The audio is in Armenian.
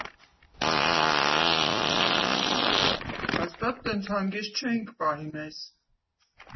Հաստատ տենց հանգիստ չէինք պահի մեզ։